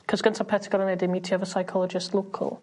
'C'os gynta pe' ti gor'o' neud 'di mîtio efo psychologist local...